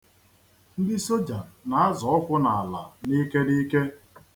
Ndị soja na-azọ ụkwụ n'ala.